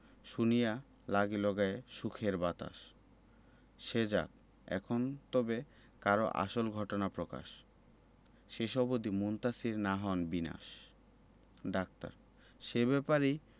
শুনিয়া লাগিল গায়ে সুখের বাতাস সে যাক এখন তবে করো আসল ঘটনা প্রকাশ শেষ অবধি মুনতাসীর না হন বিনাশ ডাক্তার সে ব্যাপারেই